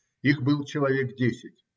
Их было человек десять.